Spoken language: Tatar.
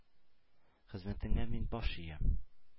Хезмәтеңә мин баш иям.